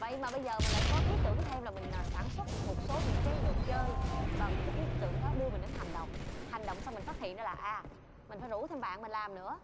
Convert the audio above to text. vậy mà bây giờ mình lại có ý tưởng thêm là mình sản xuất một số những cái đồ chơi và một cái ý tưởng đó đưa mình đến hành động hành động xong mình phát hiện ra là a mình phải rủ thêm bạn mình làm nữa